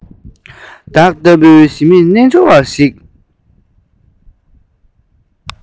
བདག ལྟ བུའི ཞི མི རྣལ འབྱོར བ ཞིག